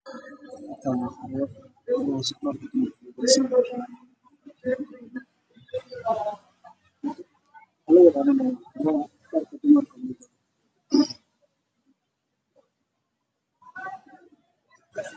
Waa carwo waxa ii muuqdo saakooyin